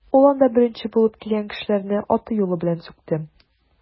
Ул анда беренче булып килгән кешеләрне аты-юлы белән сүкте.